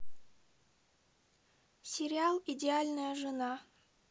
сериал идеальная жена